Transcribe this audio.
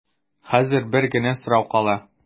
Хәзер бер генә сорау кала.